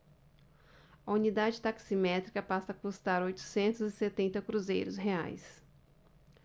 a unidade taximétrica passa a custar oitocentos e setenta cruzeiros reais